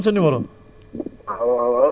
Mor Ndom mu naa am sa numéro